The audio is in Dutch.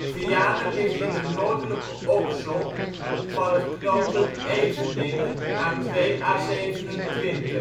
Vianen ligt in de noordelijke oksel van het knooppunt Everdingen (A2 / A27). Het